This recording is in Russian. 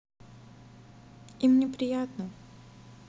им неприятно